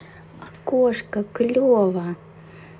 окошко клево